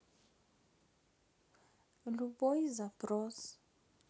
любой запрос